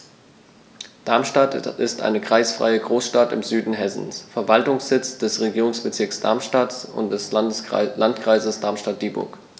Darmstadt ist eine kreisfreie Großstadt im Süden Hessens, Verwaltungssitz des Regierungsbezirks Darmstadt und des Landkreises Darmstadt-Dieburg.